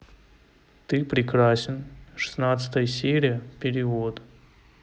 ты прекрасен шестнадцатая серия перевод